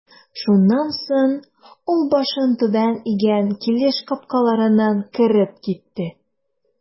Шуннан соң ул башын түбән игән килеш капкаларыннан кереп китте.